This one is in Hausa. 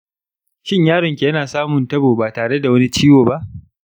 shin yaron ki yana samun tabo ba tare da wani ciwo ba?